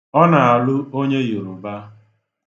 Ọ na-alụ onye Yoroba.